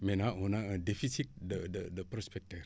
maintenant on a un déficit de de de prospecteurs